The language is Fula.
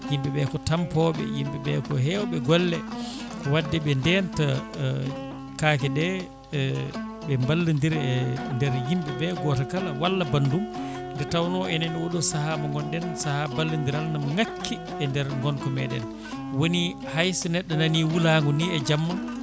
yimɓeɓe ko tampoɓe yimɓeɓe ko hewɓe golle wadde ɓe denta kaake ɗe ɓe ballodira e nder yimɓeɓe goto kala walla bandum nde tawno enen oɗo saaha mo gonɗen saaha ballodiral ne ngakki e nder gonka meɗen woni hayso neɗɗo nani wuulago ni e jamma